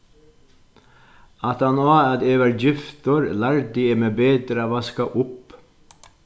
aftan á at eg varð giftur lærdi eg meg betur at vaska upp